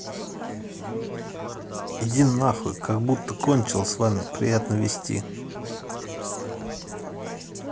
иди нахуй как будто кончила с вами приятно вести